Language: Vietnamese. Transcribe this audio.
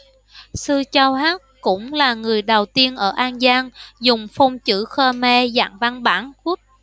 sư chau hắc cũng là người đầu tiên ở an giang dùng phông chữ khmer dạng văn bản word